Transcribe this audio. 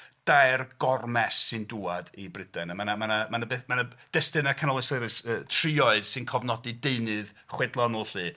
..dair gormes sy'n dwad i Brydain a ma'na... ma'na... ma'na... ma'na destunau canoloesol, trioedd sy'n cofnodi deunydd chwedlonol 'lly...